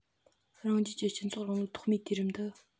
རང རྒྱལ གྱི སྤྱི ཚོགས རིང ལུགས ཐོག མའི དུས རིམ དུ